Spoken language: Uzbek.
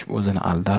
o'zini aldar